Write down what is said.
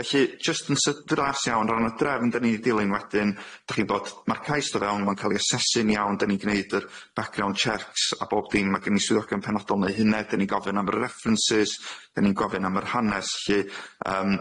Felly jyst yn sy- dras iawn ran y drefn dyn ni'n dilyn wedyn dach chi'n bod ma'r cais do fewn ma'n ca'l i asesu'n iawn dyn ni'n gneud yr background checks a bob dim ma' gen i swyddogion penodol yn neu' hynna da ni'n gofyn am y references 'da ni'n gofyn am yr hanes lly yym